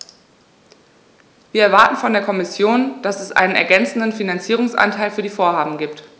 Wir erwarten von der Kommission, dass es einen ergänzenden Finanzierungsanteil für die Vorhaben gibt.